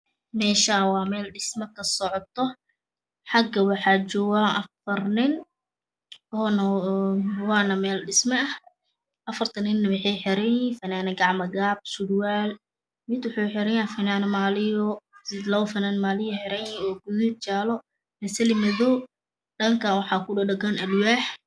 Meshan waa mel dhismo kasocoto xaga waxa joga afar nin wana mel dhismo ah afarta nin waxey xiran yihin funanad gacmo gaab sur waal mid wuxu xiran yahy funand maliyo labo waxey xiran yihin funand maliyo o gudud jaalo bisili madow dhan kaan waxa ku dha dhakan al waax